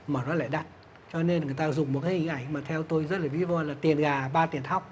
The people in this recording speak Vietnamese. mà nó lại đắt cho nên người ta dùng một hình ảnh mà theo tôi rất là ví von là tiền gà ba tiền thóc